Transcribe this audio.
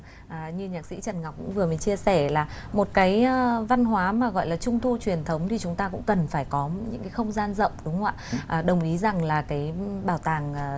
à như nhạc sĩ trần ngọc cũng vừa mới chia sẻ là một cái a văn hóa mà gọi là trung thu truyền thống thì chúng ta cũng cần phải có những cái không gian rộng đúng không ạ đồng ý rằng là cái bảo tàng